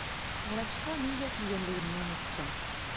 Врачка нигә килгәнлегемне оныттым.